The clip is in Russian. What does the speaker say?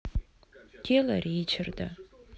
дело ричарда